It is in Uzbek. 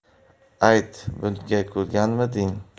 ayt bunga ko'rganmiding